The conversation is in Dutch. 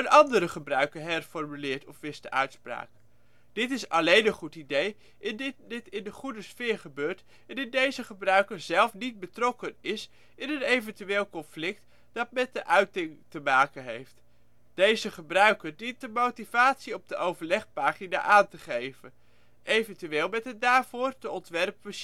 andere gebruiker herformuleert of wist de uitspraak; dit is alleen een goed idee indien dit in een goede sfeer gebeurt, en indien deze gebruiker zelf niet betrokken is in een eventueel conflict dat met de uiting te maken heeft. deze gebruiker dient de motivatie op de overlegpagina aan te geven, eventueel met een daarvoor (te ontwerpen) sjabloon